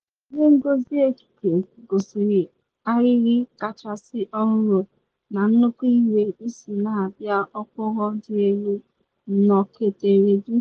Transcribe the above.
Ihe ngosi ekike gosiri ahịrị kachasị ọhụrụ na nnukwu uwe isi na abịa Okporo Dị Elu nọketere gị